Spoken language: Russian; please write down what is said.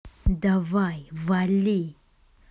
давай вали